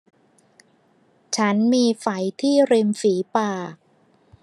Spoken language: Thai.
ฉันมีไฝที่ริมฝีปาก